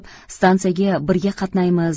stansiyaga birga qatnaymiz